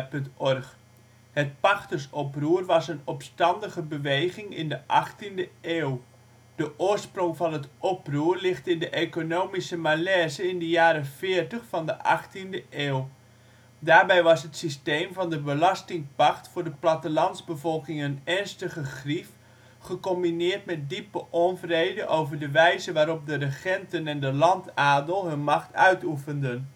Het pachtersoproer was een opstandige beweging in de achttiende eeuw. De oorsprong van het oproer ligt in de economische malaise in de jaren veertig van de achttiende eeuw. Daarbij was het systeem van de belastingpacht voor de plattelandsbevolking een ernstige grief, gecombineerd met diepe onvrede over de wijze waarop de regenten en de landadel hun macht uitoefenden